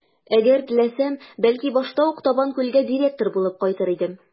Әгәр теләсәм, бәлки, башта ук Табанкүлгә директор булып кайтыр идем.